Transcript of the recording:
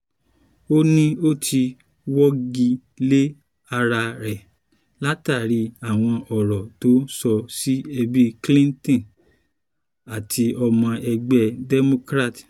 Ó ní “Ó ti wọ́gi lé ara ẹ̀ látàrí àwọn ọ̀rọ̀ tó sọ sí ẹbí Clinton and ọmọ ẹgbẹ́ Democrat.”